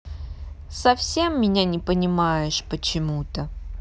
совсем меня не понимаешь почему то